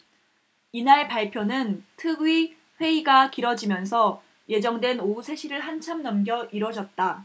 이날 발표는 특위 회의가 길어지면서 예정된 오후 세 시를 한참 넘겨 이뤄졌다